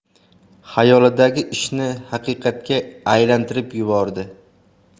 xayolidagi ishini haqiqatga aylantirib yubordi